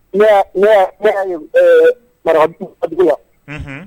Ne mara dugu la